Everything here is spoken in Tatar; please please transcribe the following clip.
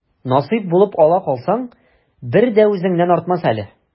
Насыйп булып ала калсаң, бер дә үзеңнән артмас әле.